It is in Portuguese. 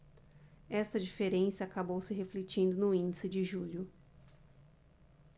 esta diferença acabou se refletindo no índice de julho